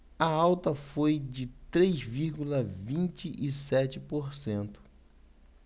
a alta foi de três vírgula vinte e sete por cento